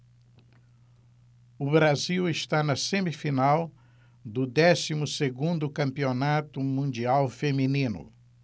o brasil está na semifinal do décimo segundo campeonato mundial feminino